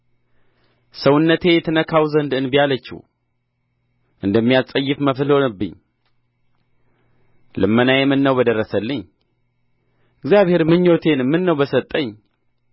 ሰውነቴ ትነካው ዘንድ እንቢ አለችው እንደሚያስጸይፍ መብል ሆነብኝ ልመናዬ ምነው በደረሰልኝ እግዚአብሔርም ምኞቴን ምነው በሰጠኝ